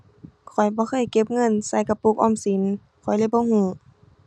ข้อยบ่เคยเก็บเงินใส่กระปุกออมสิน ข้อยเลยบ่รู้